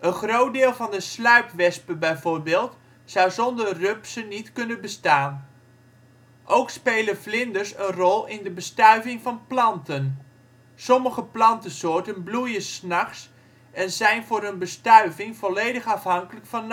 groot deel van de sluipwespen bijvoorbeeld zou zonder rupsen niet kunnen bestaan. Ook spelen vlinders een rol in de bestuiving van planten. Sommige plantensoorten bloeien ' s nachts en zijn voor hun bestuiving volledig afhankelijk van